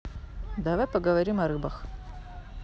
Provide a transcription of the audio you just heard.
давай поговорим о рыбах